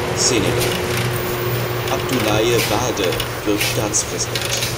Senegal: Abdoulaye Wade wird Staatspräsident